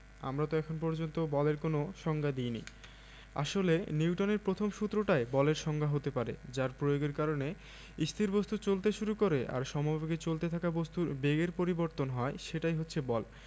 আমরা তো এখন পর্যন্ত বলের কোনো সংজ্ঞা দিইনি আসলে নিউটনের প্রথম সূত্রটাই বলের সংজ্ঞা হতে পারে যার প্রয়োগের কারণে স্থির বস্তু চলতে শুরু করে আর সমবেগে চলতে থাকা বস্তুর বেগের পরিবর্তন হয় সেটাই হচ্ছে বল